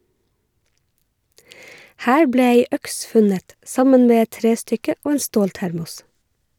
Her ble ei øks funnet, sammen med et trestykke og en ståltermos.